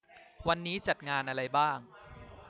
วันนี้จัดงานอะไรบ้าง